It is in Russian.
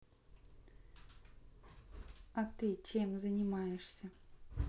а ты чем занимаешься